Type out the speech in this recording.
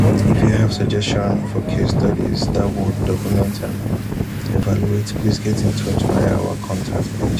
If you have suggestions for case studies that we should document and evaluate please get in touch via our contact page.